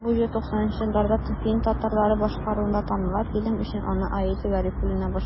Бу җыр 90 нчы елларда фин татарлары башкаруында таныла, фильм өчен аны Аида Гарифуллина башкара.